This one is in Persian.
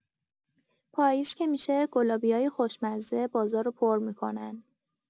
پاییز که می‌شه، گلابی‌های خوشمزه بازارو پر می‌کنن.